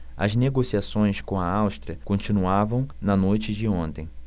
as negociações com a áustria continuavam na noite de ontem